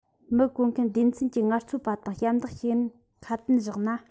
མི བཀོལ མཁན སྡེ ཚན གྱིས ངལ རྩོལ པ དང ཞབས འདེགས ཞུ ཡུན ཁ དན བཞག ན